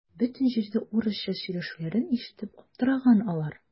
Бөтен җирдә урысча сөйләшүләрен ишетеп аптыраган алар.